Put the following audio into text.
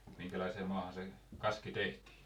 minkälaiseen maahan se kaski tehtiin